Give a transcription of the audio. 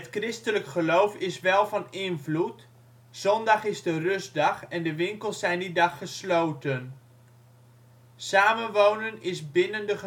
Christelijk geloof is wel van invloed: zondag is de rustdag en de winkels zijn die dag gesloten. Samenwonen is binnen de